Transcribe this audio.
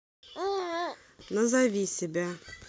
назови себя